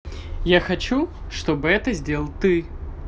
а я хочу чтобы это сделал ты